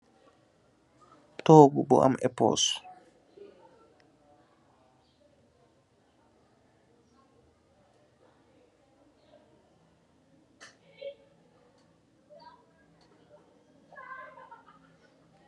toogu bu am epous